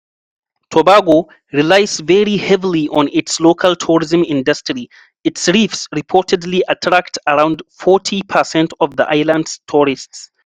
Tobago relies very heavily on its local tourism industry; its reefs reportedly attract around 40 per cent of the island's tourists.